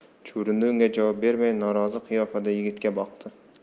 chuvrindi unga javob bermay norozi qiyofada yigitga boqdi